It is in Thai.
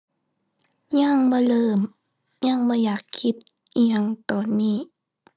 ยังบ่เริ่ม ยังบ่อยากคิดอิหยังตอนนี้